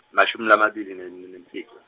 mashumi lamabili ne- n- ne- nemfica.